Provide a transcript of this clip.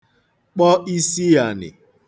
kpọ isiànị̀